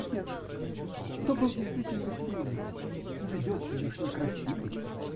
-- Отец, то был действительно сильный, но ведь очень уж некрасивый!.